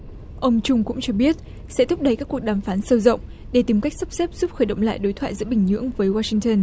ông chung cũng cho biết sẽ thúc đẩy các cuộc đàm phán sâu rộng để tìm cách sắp xếp giúp khởi động lại đối thoại giữa bình nhưỡng với oa sinh tơn